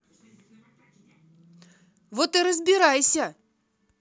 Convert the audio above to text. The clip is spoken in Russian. вот и разбирайся